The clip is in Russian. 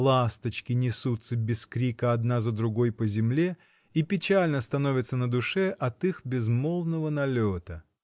ласточки несутся без крика одна за другой по земле, и печально становится на душе от их безмолвного налета.